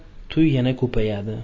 to'y yana kupayadi